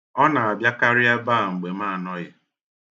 Ọ na-abịakarị ebe a mgbe m anọghị